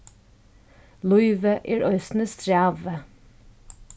lívið er eisini strævið